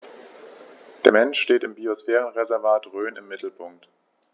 Der Mensch steht im Biosphärenreservat Rhön im Mittelpunkt.